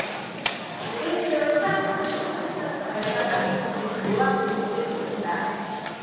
오랜 세월 사람 손을 탄 듯한 가발과 마네킹들이 묘한 분위기를 풍긴다